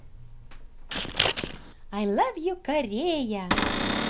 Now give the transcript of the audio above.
i love korea